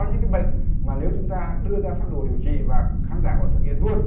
những bệnh mà nếu chúng ta đưa ra phác đồ điều trị và khán giả họ thực hiện luôn